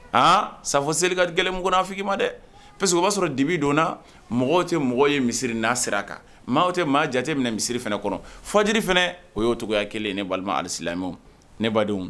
Aa sa seli ka gɛlɛn ko f ma dɛ parce que o b'a sɔrɔ dibi donnana mɔgɔw tɛ mɔgɔ ye misi n'a sera a kan maa tɛ maa jate minɛ misiri fana kɔnɔ faji fana o y ye o cogoyaya kelen ye ne alilayi ne badenw